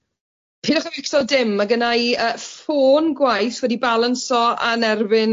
Pidwch a becso dim ma' gynna i y ffôn gwaith wedi balansio yn erbyn